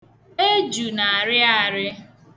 Eju na-arị arị.